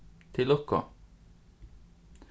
til lukku